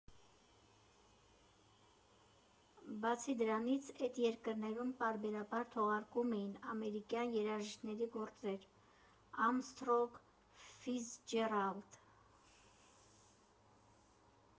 Բացի դրանից, էդ երկրներում պարբերաբար թողարկվում էին ամերիկյան երաժիշտների գործեր՝ Արմսթրոգ, Ֆիցջերալդ։